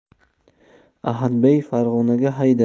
ahadbey farg'onaga hayda